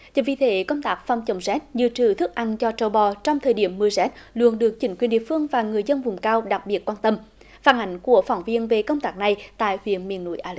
chính vì thế công tác phòng chống rét dự trữ thức ăn cho trâu bò trong thời điểm mưa rét luôn được chính quyền địa phương và người dân vùng cao đặc biệt quan tâm phản ánh của phóng viên về công tác này tại huyện miền núi a